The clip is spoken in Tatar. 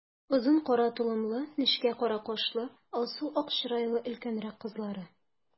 Озын кара толымлы, нечкә кара кашлы, алсу-ак чырайлы өлкәнрәк кызлары.